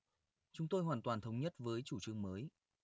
chúng tôi hoàn toàn thống nhất với chủ trương mới